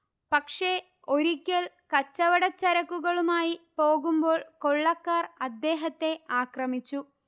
പക്ഷെ ഒരിക്കൽ കച്ചവടച്ചരക്കുകളുമായി പോകുമ്പോൾ കൊള്ളക്കാർ അദ്ദേഹത്തെ ആക്രമിച്ചു